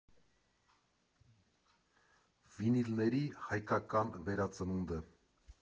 Վինիլների հայկական վերածնունդը.